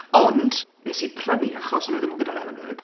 Ond wnes i'n prynu achos oedd nhw ddim gyda lemon and herb...